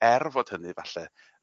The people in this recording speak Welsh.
er fod hynny falle